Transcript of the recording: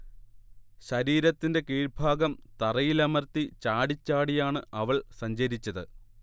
ശരീരത്തിന്റെ കീഴ്ഭാഗം തറയിലമർത്തി ചാടിച്ചാടിയാണ് അവൾ സഞ്ചരിച്ചത്